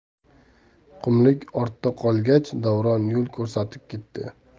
qumlik ortda qolgach davron yo'l ko'rsatib ketdi